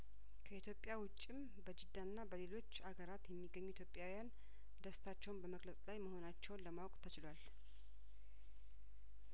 ከኢትዮጵያ ውጪም በጂዳና በሌሎች አገራት የሚገኙ ኢትዮጵያውያን ደስታቸውን በመግለጽ ላይ መሆናቸውን ለማወቅ ተችሏል